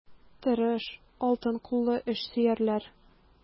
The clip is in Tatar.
Тырыш, алтын куллы эшсөярләр.